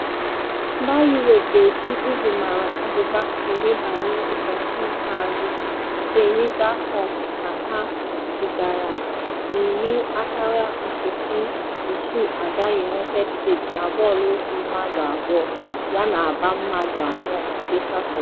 Mba Europe ga-eji uru mara abụba were banye ụbọchị ikpeazụ nke Ryder Cup ka ha jichara 10-6 aga United State na bọọlụ otu mmadụ abụọ yana agba mmadụ anọ nke Satọde.